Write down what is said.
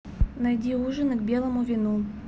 найди ужины к белому вину